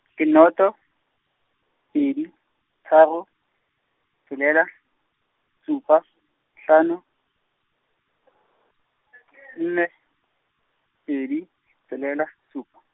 ke noto, pedi, tharo, tshelela, supa, hlano , nne, pedi, tshelela, supa.